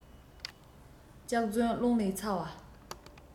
སྐྱག རྫུན རླུང ལས ཚ བ